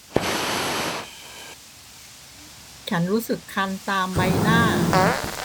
ฉันรู้สึกคันตามใบหน้า